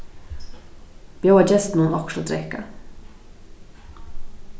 bjóða gestunum okkurt at drekka